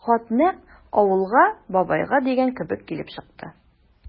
Хат нәкъ «Авылга, бабайга» дигән кебек килеп чыкты.